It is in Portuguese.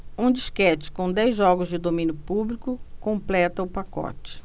um disquete com dez jogos de domínio público completa o pacote